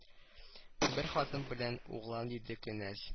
Бер хатын белән углан диде кенәз